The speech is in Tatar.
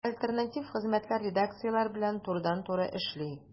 Ә альтернатив хезмәтләр редакцияләр белән турыдан-туры эшли.